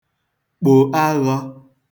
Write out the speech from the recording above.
kpò aghọ̄